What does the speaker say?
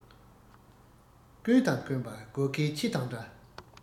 ཀུན དང འཁོན པ སྒོ ཁའི ཁྱི དང འདྲ